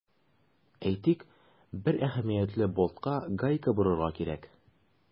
Әйтик, бер әһәмиятле болтка гайка борырга кирәк.